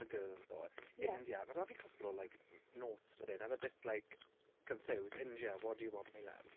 The girls though ... ie ...India. Ma' da fi'n cwpl o like m- notes fan hyn. I'm a bit like, confused. India what do you want my love?